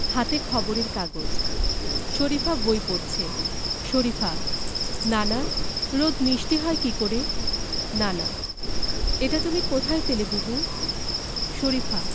হাতে খবরের কাগজ শরিফা বই পড়ছে শরিফা নানা রোদ মিষ্টি হয় কী করে নানা এটা তুমি কোথায় পেলে বুবু শরিফা